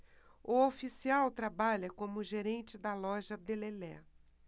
o oficial trabalha como gerente da loja de lelé